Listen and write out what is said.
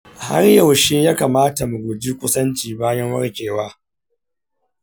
har yaushe ya kamata mu guji kusanci bayan warkewa?